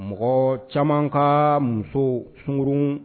Mɔgɔ caman ka muso sunurun